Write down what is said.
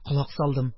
Колак салдым: